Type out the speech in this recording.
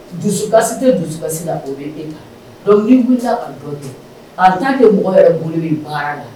Dusukasi tɛ dusukasi la o bɛ ni kan, donc ni wilila ka dɔ kɛ en tant que mɔgɔ yɛrɛ bolo bɛ baara la